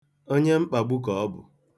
Onye mkpagbu ka ọ bụ.